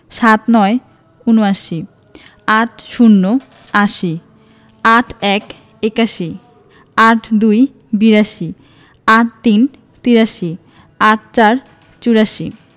৭৯ – উনআশি ৮০ - আশি ৮১ – একাশি ৮২ – বিরাশি ৮৩ – তিরাশি ৮৪ – চুরাশি